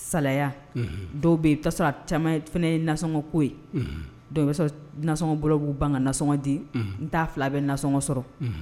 Salaya, unhun, dɔw bɛ yen, i bɛ ta sɔrɔ a caman fana ye nasɔngɔ ko ye, unhun, donc i b'a sɔrɔ nasɔngɔ bɔlanw b'u ban ka nasɔngɔ di, unhun, n t'a fila bɛ nasɔngɔ sɔrɔ, unhun.